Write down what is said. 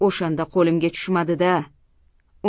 o'shanda qo'limga tushmadi da